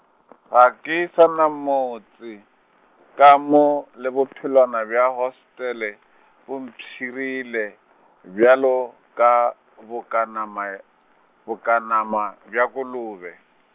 ga ke sa na motse, ka mo le bophelwana bja hostele , bo mpshirile bjalo ka, bokanama y-, bokanama bja kolobe.